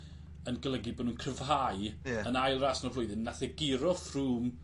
yn golygu bo' nw'n cryfhau... Ie. ...yn ail ras yn y flwyddyn nath e guro Froome